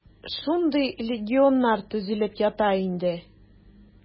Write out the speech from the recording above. Шундый легионнар төзелеп ята инде.